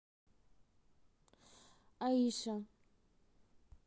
aisha